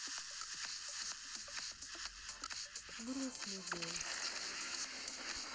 грустный дэнс